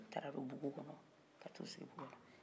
u taara don bugu kɔnɔ ka t'u sigi bugu kɔnɔ